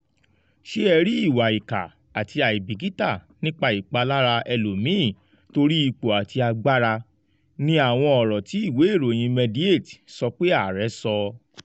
Ṣe ẹ rí ìwà ìkà àti àìbíkìtà nípa ìpalára ẹlòmíì torí ipò àti agbára,” ni àwọn ọ̀rọ̀ ti ìwé iroyin Mediaite sọ pé ààrẹ sọ́ ọ.